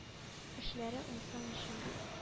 – эшләре уңсын өчен,